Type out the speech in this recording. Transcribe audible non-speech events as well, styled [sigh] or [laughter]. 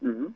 [hesitation] [hesitation]